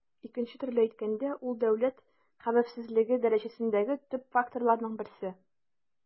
Икенче төрле әйткәндә, ул дәүләт хәвефсезлеге дәрәҗәсендәге төп факторларның берсе.